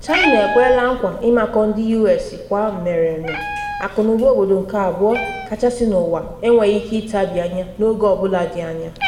China ekweela nkwa ịmakọ ndị US kwa mmereme, akụnụba obodo nke abụọ kachasị n’ụwa enweghị ike ịtabi anya n’oge ọ bụla dị anya.